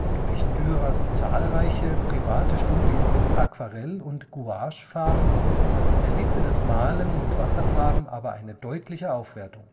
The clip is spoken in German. Durch Dürers zahlreiche private Studien mit Aquarell - und Gouachefarben erlebte das Malen mit Wasserfarben aber eine deutliche Aufwertung